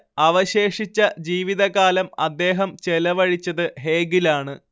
അവശേഷിച്ച ജീവിതകാലം അദ്ദേഹം ചെലവഴിച്ചത് ഹേഗിലാണ്